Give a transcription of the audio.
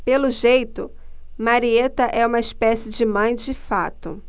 pelo jeito marieta é uma espécie de mãe de fato